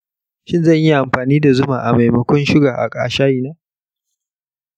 shin zan iya yin amfani da zuma a maimakon suga a shayi na?